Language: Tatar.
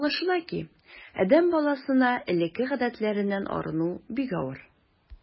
Аңлашыла ки, адәм баласына элекке гадәтләреннән арыну бик авыр.